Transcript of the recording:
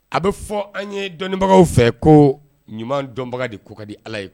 A bɛ fɔ an ye dɔnniibagaw fɛ ko ɲuman dɔnbaga de ko ka di ala ye